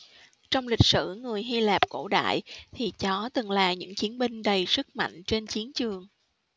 trong lịch sử người hy lạp cổ đại thì chó từng là những chiến binh đầy sức mạnh trên chiến trường